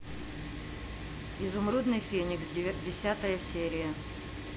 изумрудный феникс десятая серия